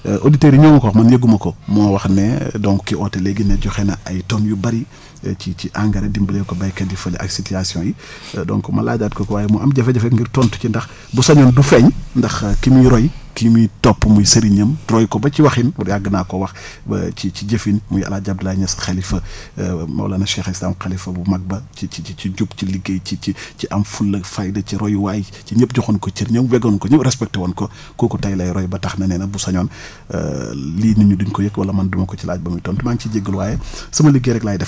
auditeurs yi ñoom ñoo ma ko wax man yëgguma ko moo wax ne donc ki oote léegi ne joxe na ay tonnes yu bari ci ci engrais dimbaleeko béykat yi ak situation yi donc ma laajaat ko ko waaye mu am jafe-jafe ngir tontu ci ndax bu sañoon du feeñ ndax ki muy roy ki muy topp muy sëriñam roy ko ba ci waxin yàgg naa koo wax ba ci ci jëfin El Hadj Abdoulaye Niass Khalifa Mawlana Cheikh al Islam xalifa bu mag ba ci ci ci jub ci liggéey ci ci am fulaag fayda ci royuwaay ci ñëpp joxoon ko cër ñëpp wegoon ko ñëpp respecté woon ko kooku tey lay roy ba tax nee na bu sañoon lii nit ñi duñ ko yëg wala man du ma ko ci laaj ba muy tontu maa ngi ciy jégaluwaat waaye sama liggéey rek laay def